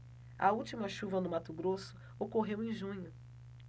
a última chuva no mato grosso ocorreu em junho